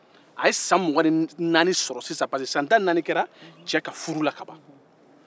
a ye san mugan ni naani de sɔrɔ sisan paseke san tan ni naani kɛra cɛ ka furu la